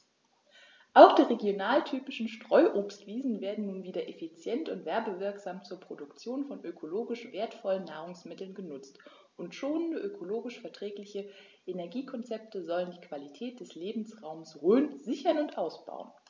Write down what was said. Auch die regionaltypischen Streuobstwiesen werden nun wieder effizient und werbewirksam zur Produktion von ökologisch wertvollen Nahrungsmitteln genutzt, und schonende, ökologisch verträgliche Energiekonzepte sollen die Qualität des Lebensraumes Rhön sichern und ausbauen.